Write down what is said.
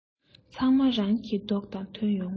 ཚང མ རང གི མདོག དང མཐུན ཡོང ངོ